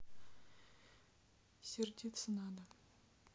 сердиться надо